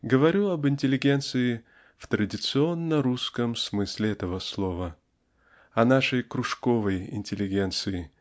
Говорю об интеллигенции в традиционно-русском смысле этого слова о нашей кружковой интеллигенции